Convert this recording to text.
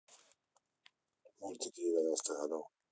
мультики девяностых годов